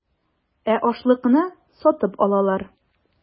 Ә ашлыкны сатып алалар.